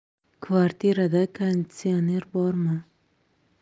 kvartirada konditsioner bormi